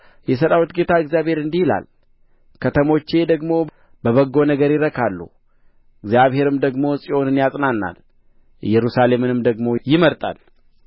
የሠራዊት ጌታ እግዚአብሔር እንዲህ ይላል ከተሞቼ ደግሞ በበጎ ነገር ይረካሉ እግዚአብሔርም ደግሞ ጽዮንን ያጽናናል ኢየሩሳሌምንም ደግሞ ይመርጣል